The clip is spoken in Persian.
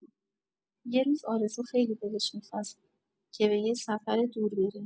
یه روز، آرزو خیلی دلش می‌خواست که به یه سفر دور بره.